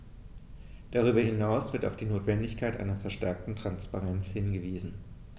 Darüber hinaus wird auf die Notwendigkeit einer verstärkten Transparenz hingewiesen.